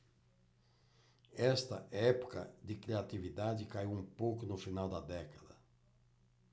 esta época de criatividade caiu um pouco no final da década